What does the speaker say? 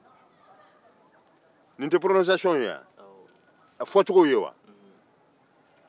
nin tɛ fɔcogo ye wa